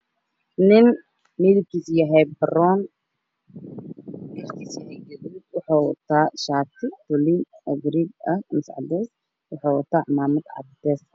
Waa nin midabkiisa yahay baroon ka wuxuu wataa cimaamad shati ga ku fadhiya waxa qax weyn jiingad ayaa ka dambeysa